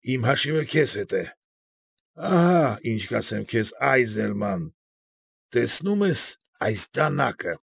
Իմ հաշիվը քեզ հետ է։ Ահա ինչ կասեմ քեզ, Այզելման. տեսնում ես այս դանակը։